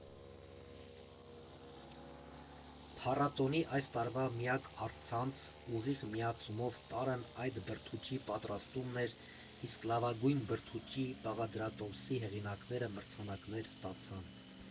Փառատոնի այս տարվա միակ առցանց, ուղիղ միացումով տարրն այդ բրդուճի պատրաստումն էր, իսկ լավագույն բրդուճի բաղադրատոմսի հեղինակները մրցանակներ ստացան։